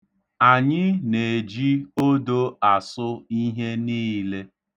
Anyị na-eji odo asụ ihe niile.